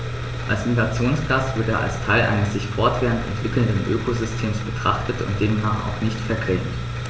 Als Migrationsgast wird er als Teil eines sich fortwährend entwickelnden Ökosystems betrachtet und demnach auch nicht vergrämt.